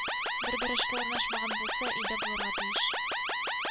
Бер-бер эшкә урнашмаган булса өйдә булырга тиеш